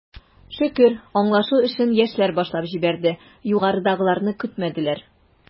Шөкер, аңлашу эшен, яшьләр башлап җибәрде, югарыдагыларны көтмәделәр.